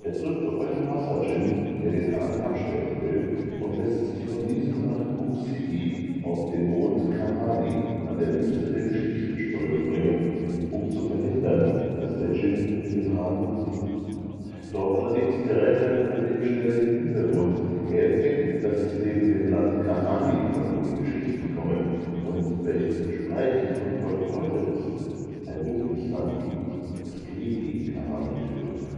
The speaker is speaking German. trifft auf einen Wasser-Dschinn, der den Hahn abstellen will und lässt sich von diesem nach Gup City auf dem Mond Kahani an der Küste der Geschichtenströme bringen, um zu verhindern, dass der Dschinn den Hahn mitnimmt. Dort allerdings gerät sein Problem schnell in den Hintergrund. Er entdeckt, dass es neben dem Land Kahani, von wo die Geschichten kommen und welches gesprächig und voll Freude ist, ein dunkles Land gibt, das Krieg gegen Kahani führt